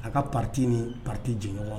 A ka pati ni pati j